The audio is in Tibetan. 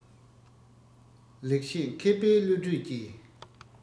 ལེགས བཤད མཁས པའི བློ གྲོས ཀྱིས